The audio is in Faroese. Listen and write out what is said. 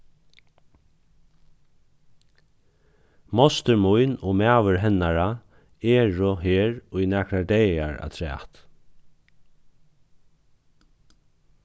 mostir mín og maður hennara eru her í nakrar dagar afturat